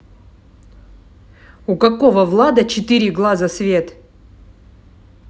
у какого влада четыре глаза свет